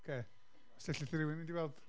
Oce, os allith rhywun mynd i weld...